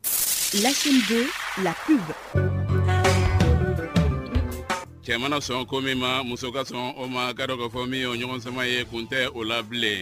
La chaîne 2,la pub cɛ mana sɔn ko min ma, muso ka sɔn o ma. K'a dɔn k'a fɔ min y'o ɲɔgɔn saman ye kun tɛ o la bilen.